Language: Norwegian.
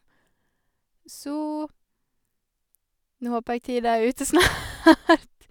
Så nå håper jeg tida er ute snart.